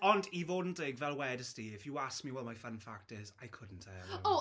Ond i fod yn deg fel wedest ti, if you ask me what my fun fact is, I couldn't tell you.